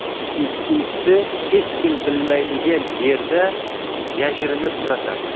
ikkinchisi hech kim bilmaydigan yerda yashirinib turasan